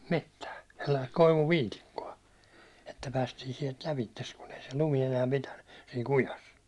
metsää sellaista koivuviitikkoa että päästiin sieltä läpi kun ei se lumi enää pitänyt siinä kujassa